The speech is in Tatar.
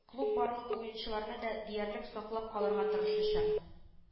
Клуб барлык уенчыларны да диярлек саклап калырга тырышачак